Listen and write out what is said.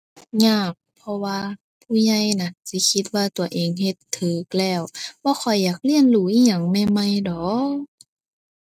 ยาก เพราะว่าผู้ใหญ่น่ะ สิคิดว่าตัวเองเฮ็ดถูกแล้ว บ่ค่อยอยากเรียนรู้อิหยังใหม่ใหม่ดอก